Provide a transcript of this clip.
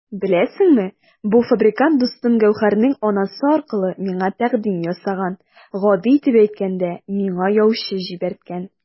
Беләсеңме, бу фабрикант дустым Гәүһәрнең анасы аркылы миңа тәкъдим ясаган, гади итеп әйткәндә, миңа яучы җибәрткән!